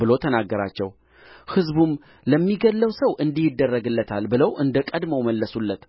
ብሎ ተናገራቸው ሕዝቡም ለሚገድለው ሰው እንዲህ ይደረግለታል ብለው እንደ ቀድሞው መለሱለት